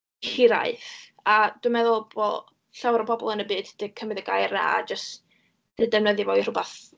hiraeth, a dwi'n meddwl bo' llawer o bobol yn y byd 'di cymryd y gair yna, a jyst deud defnyddio fo i rhwbath...